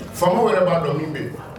Faama yɛrɛ b'a dɔn min bɛ yen